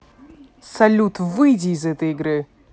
салют выйди из этой игры